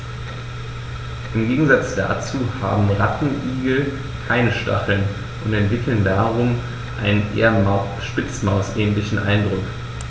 Im Gegensatz dazu haben Rattenigel keine Stacheln und erwecken darum einen eher Spitzmaus-ähnlichen Eindruck.